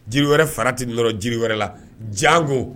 Jiri wɛrɛ fara tɛ nɔrɔ jiri wɛrɛ la jango